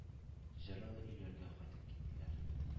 Җылы өйләргә кайтып киттеләр.